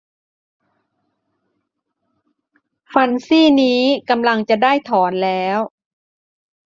ฟันซี่นี้กำลังจะได้ถอนแล้ว